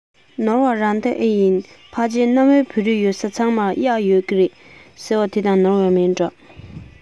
ནོར བ རང ད ཨེ ཡིན ཕལ ཆེར གནའ བོའི བོད རིགས ཡོད ས ཚང མར གཡག ཡོད རེད ཟེར བ དེ དང ནོར བ མིན འགྲོ